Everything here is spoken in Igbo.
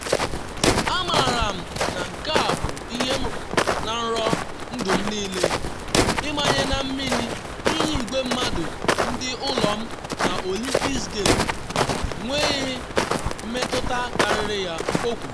“A maara m na nke a bụ ihe m rọgoro na nrọ ndụ m niile - ịmanye na mmiri n’ihu igwe mmadụ ndị ụlọ m na Olympics Game, enweghị mmetụta karịrị ya,” o kwuru.